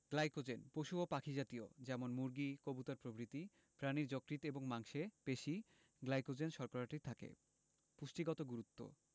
glycogen পশু ও পাখি জাতীয় যেমন মুরগি কবুতর প্রভৃতি প্রাণীর যকৃৎ এবং মাংসে পেশি গ্লাইকোজেন শর্করাটি থাকে পুষ্টিগত গুরুত্ব